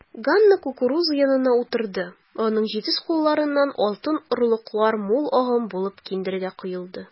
Ганна кукуруза янына утырды, аның җитез кулларыннан алтын орлыклар мул агым булып киндергә коелды.